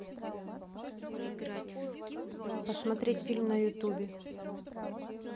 посмотреть фильмы на ютубе